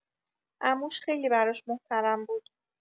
عموش خیلی براش محترم بود.